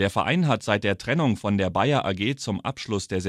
Verein hat seit der Trennung von der Bayer AG zum Abschluss der